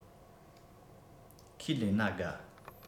ཁས ལེན ན དགའ